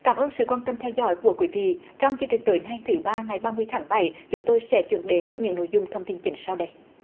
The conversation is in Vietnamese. cảm ơn sự quan tâm theo dõi của quý vị trong chương trình tối nay thứ ba ngày ba mươi tháng bảy chúng tôi sẽ chuyển đến những nội dung thông tin chính sau đây